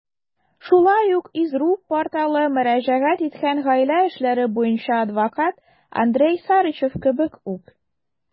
Шулай ук iz.ru порталы мөрәҗәгать иткән гаилә эшләре буенча адвокат Андрей Сарычев кебек үк.